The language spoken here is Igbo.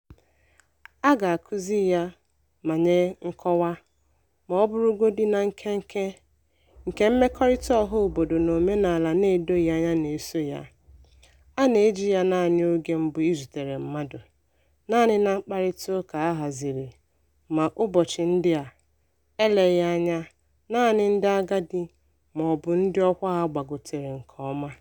A ga-akụzị ya ma nye nkọwa, maọbụrụgodu na nkenke, nke mmekọrịta ọhaobodo na omenala n'edoghi anya na-eso ya, a na-eji ya naanị oge mbụ ị zutere mmadụ, naanị na mkparịtaụka a hazịrị ma, ụbọchị ndị a, eleghị anya naanị ndị agadi maọbụ ndị ọkwa ha gbagotere nke ọma.